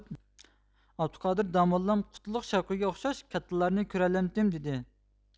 ئابدۇقادىر داموللام قۇتلۇق شەۋقىگە ئوخشاش كاتتىلارنى كۆرەلەمتىم دېدى